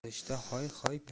olishda hoy hoy